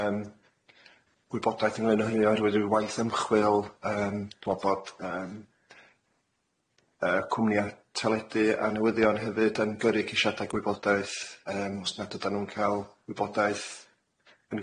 yym gwybodaeth ynglŷn hynny oerwydd ryw waith ymchwil yym t'mod bod yym yy cwmnia'n teledu a newyddion hefyd yn gyrru ceisiadau gwybodaeth yym os nad ydan nw'n ca'l wybodaeth yn